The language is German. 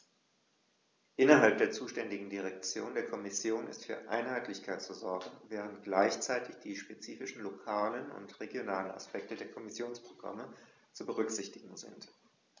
Innerhalb der zuständigen Direktion der Kommission ist für Einheitlichkeit zu sorgen, während gleichzeitig die spezifischen lokalen und regionalen Aspekte der Kommissionsprogramme zu berücksichtigen sind.